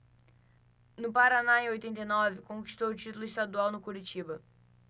no paraná em oitenta e nove conquistou o título estadual no curitiba